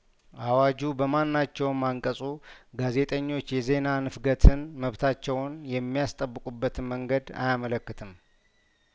አዋጁ በማናቸውም አንቀጹ ጋዜጠኞች የዜና ንፍገትን መብታቸውን የሚያስጠብቁበትን መንገድ አያመለክትም